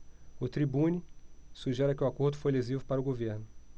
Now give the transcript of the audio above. o tribune sugere que o acordo foi lesivo para o governo